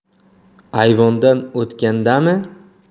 ayvondan o'tgandami